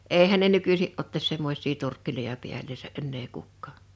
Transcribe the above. eihän ne nykyisin ottaisi semmoisia turkkeja päälleen enää kukaan